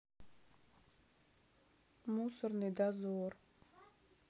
мусорный дозор